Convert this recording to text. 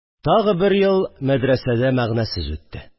Тагы бер ел мәдрәсәдә мәгънәсез үтте